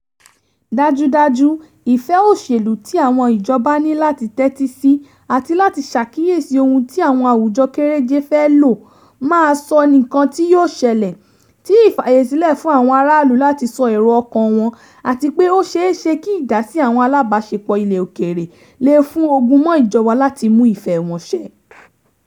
Dájúdájú ìfẹ́ òṣèlú tí àwọn ìjọba ní láti tẹ́tí sí àti láti ṣàkíyèsí ohun tí àwọn àwùjọ kéréjé fẹ́ ló má sọ nnkan tí yóò ṣẹlẹ̀, tí ìfààyè sílẹ̀ fún àwọn aráàlú láti sọ èrò ọkàn wọn àti pé ó ṣeé ṣe kí ìdásí àwọn àlábáṣepọ̀ ilẹ̀ òkèèrè lè fún ogún mọ́ ijoba láti mú ìfẹ́ wọn ṣẹ.